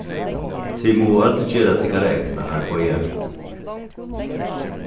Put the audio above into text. tit mugu øll gera tykkara egna arbeiði